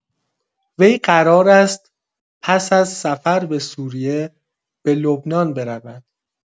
وی قرار است پس‌از سفر به سوریه، به لبنان برود.